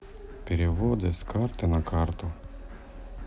переводы с карты на карту